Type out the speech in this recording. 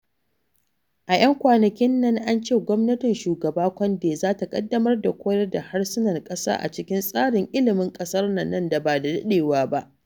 A ‘yan kwanakin nan, an ce gwamnatin Shugaba Condé za ta ƙaddamar da koyar da harsunan ƙasa a cikin tsarin ilimin ƙasar nan ba da daɗewa ba.